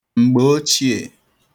m̀gbèochìè